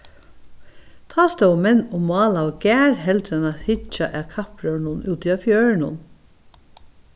tá stóðu menn og málaðu garð heldur enn at hyggja at kappróðrinum úti á fjørðinum